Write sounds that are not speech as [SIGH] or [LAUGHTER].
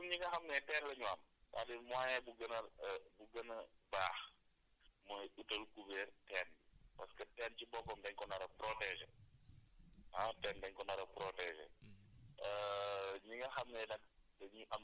voilà maa ngi lay gërëm encore monsieur Sow léegi pour ñi nga xam ne teen la ñu am c' est à dire moyen bu gën a [HESITATION] bu gën a baax mooy utal kubéer teen parce que teen ci boppam dañ ko nar a protégé ah teen dañu ko nar a protégé